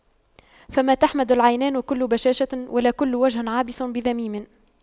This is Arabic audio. فما تحمد العينان كل بشاشة ولا كل وجه عابس بذميم